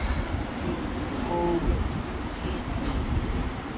A acshyli... oh yes ...does dim un o’r lleill actually yn haeddu hi.